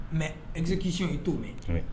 Mɛ n se k'i sɔn i to mɛn